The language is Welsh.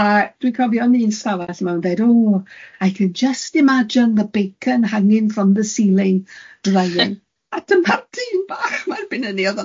A dwi'n cofio yn i'n stafell 'ma fo'n yn deud, oh I can jyst imagin ddy beicyn hangin ffrom ddy siling draying a dyma'r dyn bach 'ma erbyn hynny o'dd